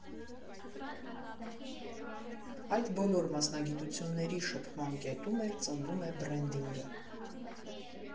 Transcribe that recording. Այդ բոլոր մասնագիտությունների շփման կետում էլ ծնվում է բրենդինգը։